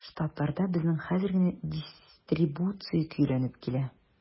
Штатларда безнең хәзер генә дистрибуция көйләнеп килә.